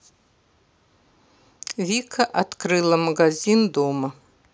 вика открыла магазин дома